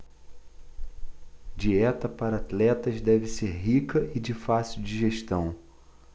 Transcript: dieta para atletas deve ser rica e de fácil digestão